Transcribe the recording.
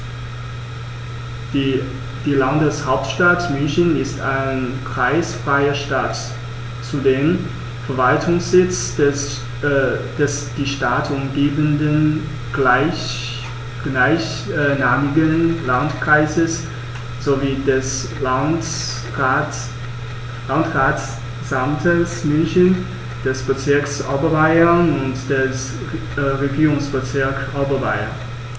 Die Landeshauptstadt München ist eine kreisfreie Stadt, zudem Verwaltungssitz des die Stadt umgebenden gleichnamigen Landkreises sowie des Landratsamtes München, des Bezirks Oberbayern und des Regierungsbezirks Oberbayern.